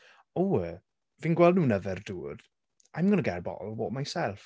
Ww fi'n gweld nhw'n yfed dŵr, "I'm gonna get a bottle of water myself".